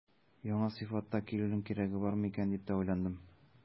Яңа сыйфатта килүнең кирәге бар микән дип тә уйландым.